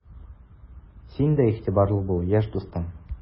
Син дә игътибарлы бул, яшь дустым!